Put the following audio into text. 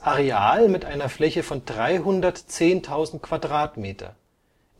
Areal mit einer Fläche von 310.000 Quadratmeter